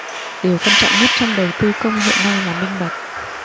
điều quan trọng nhất trong đầu tư công hiện nay là minh bạch